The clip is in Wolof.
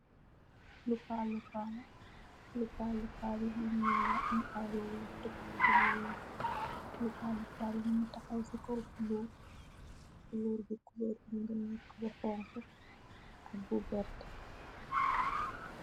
Lapalapa la, lapalapa bu nyuul la, am ay tupu tupu yu weex, lapalap bi mingi taxaw si kaw bum, kolor bi, kolor bi mingi nek bu xonxu ak bu verta